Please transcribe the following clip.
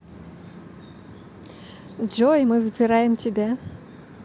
джой мы выбираем тебя